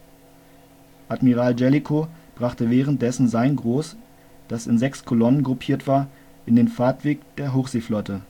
Admiral Jellicoe brachte währenddessen sein Gros, das in sechs Kolonnen gruppiert war, in den Fahrtweg der Hochseeflotte